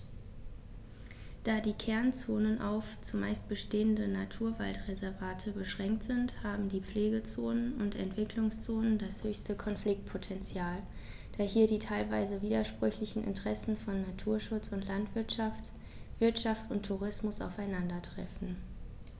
Da die Kernzonen auf – zumeist bestehende – Naturwaldreservate beschränkt sind, haben die Pflegezonen und Entwicklungszonen das höchste Konfliktpotential, da hier die teilweise widersprüchlichen Interessen von Naturschutz und Landwirtschaft, Wirtschaft und Tourismus aufeinandertreffen.